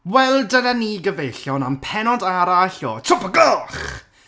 Wel dyna ni gyfeillion am pennod arall o Twp o Gloch!